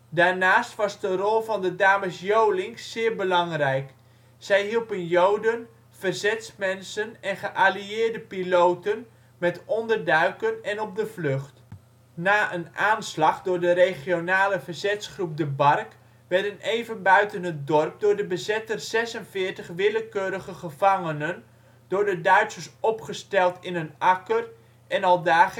Daarnaast was de rol van de dames Jolink zeer belangrijk; zij hielpen joden, verzetsmensen en geallieerde piloten met onderduiken en op de vlucht. Na een aanslag door de regionale verzetsgroep " de Bark " werden even buiten het dorp door de bezetter zesenveertig willekeurige gevangenen door de Duitsers opgesteld in een akker en aldaar